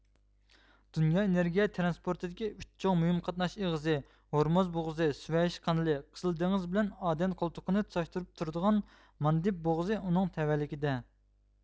دۇنيا ئېنېرگىيە ترانسپورتىدىكى ئۈچ چوڭ مۇھىم قاتناش ئېغىزى ھورموز بوغۇزى سۇۋەيش قانىلى قىزىل دېڭىز بىلەن ئادەن قولتۇقىنى تۇتاشتۇرۇپ تۇرىدىغان ماندېب بوغۇزى ئۇنىڭ تەۋەلىكىدە